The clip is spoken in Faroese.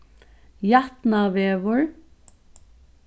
jatnavegur